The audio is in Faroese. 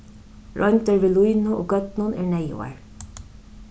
royndir við línu og gørnum eru neyðugar